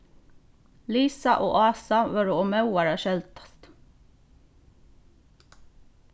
lisa og ása vóru ov móðar at skeldast